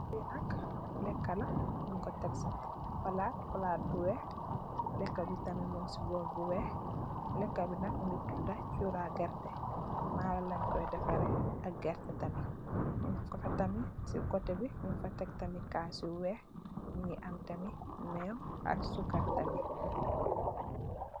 Lii nak lehkah la, njung kor tek cii plaat, plaat bu wekh, lehkah bii tamit mung cii borl bu wekh, lehkah bii nak mungy tuda chura gerteh, maalor lengh koi defareh ak gerteh tamit, njung kor fa tamit cii coteh bii, njung fa tek tamit kassu wekh, mungy am tamit mew ak sukarr tamit.